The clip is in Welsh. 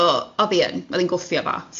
So oedd hi yn, oedd hi'n gwffio fo.